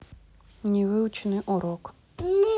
невыученный урок